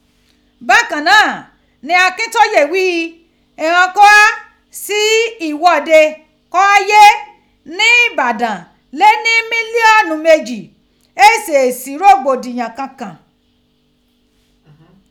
Bakan naa ni Akintoye ghii ighan ko gha si ighode ko ghaye ni Ibadan le ni miliọnu meji, e se si rogbodiyan kankan.